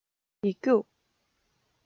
ཡིག རྒྱུགས